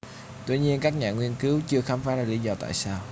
tuy nhiên các nhà nghiên cứu chưa khám phá ra lý do tại sao